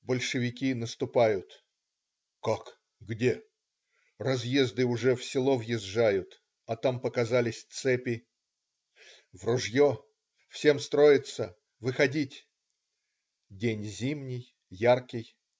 большевики наступают!" - "Как, где?" - "Разъезды уже в село въезжают, а там показались цепи. " В ружье! всем строиться! выходить! День зимний, яркий.